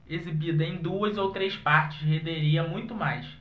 exibida em duas ou três partes renderia muito mais